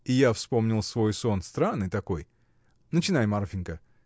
И я вспомнил свой сон: странный такой! Начинай, Марфинька!